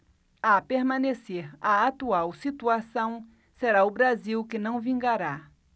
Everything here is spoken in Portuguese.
a permanecer a atual situação será o brasil que não vingará